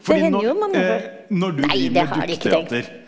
det hender jo man nei det har det ikke tenkt.